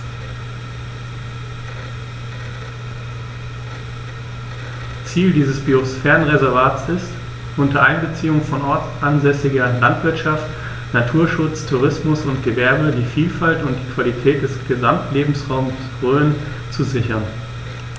Ziel dieses Biosphärenreservates ist, unter Einbeziehung von ortsansässiger Landwirtschaft, Naturschutz, Tourismus und Gewerbe die Vielfalt und die Qualität des Gesamtlebensraumes Rhön zu sichern.